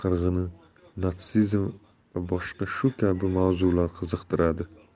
qirg'ini natsizm va boshqa shu kabi mavzular qiziqtiradi